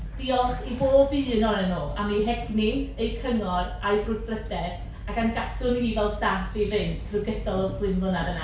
Diolch i bob un ohonyn nhw am eu hegni, eu cyngor a'u brwdfrydedd, ac am gadw ni fel staff i fynd drwy gydol y bum mlynedd yna.